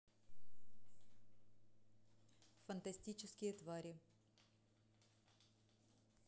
фантастические твари